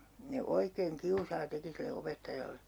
ne oikein kiusaa teki sille opettajalle